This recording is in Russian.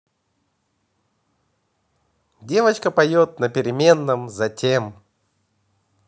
девочка поет на переменном затем